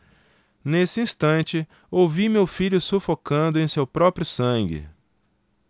nesse instante ouvi meu filho sufocando em seu próprio sangue